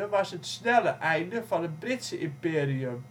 was het snelle einde van het Britse Imperium